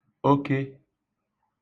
oke